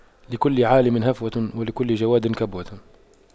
لكل عالِمٍ هفوة ولكل جَوَادٍ كبوة